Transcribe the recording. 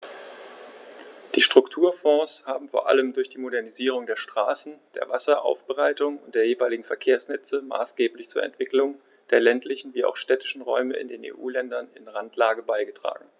Die Strukturfonds haben vor allem durch die Modernisierung der Straßen, der Wasseraufbereitung und der jeweiligen Verkehrsnetze maßgeblich zur Entwicklung der ländlichen wie auch städtischen Räume in den EU-Ländern in Randlage beigetragen.